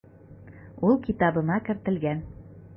Ул китабыма кертелгән.